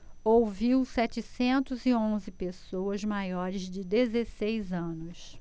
ouviu setecentos e onze pessoas maiores de dezesseis anos